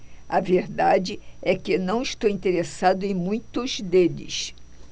a verdade é que não estou interessado em muitos deles